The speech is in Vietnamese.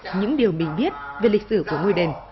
những điều mình biết về lịch sử của ngôi đền